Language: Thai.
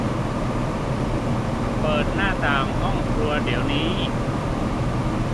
เปิดหน้าต่างห้องครัวเดี๋ยวนี้